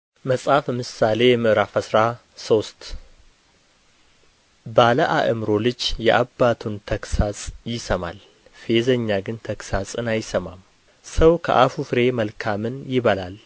መጽሐፈ ምሳሌ ምዕራፍ አስራ ሶስት ባለ አእምሮ ልጅ የአባቱን ተግሣጽ ይሰማል ፌዘኛ ግን ተግሣጽን አይሰማም ሰው ከአፉ ፍሬ መልካምን ይበላል